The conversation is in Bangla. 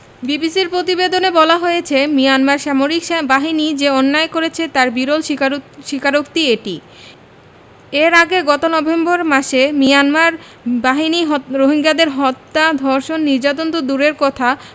বিবিসির প্রতিবেদনে বলা হয়েছে মিয়ানমার সামরিক বাহিনী যে অন্যায় করেছে তার বিরল স্বীকারোক্তি এটি এর আগে গত নভেম্বর মাসে মিয়ানমার বাহিনী রোহিঙ্গাদের হত্যা ধর্ষণ নির্যাতন তো দূরের কথা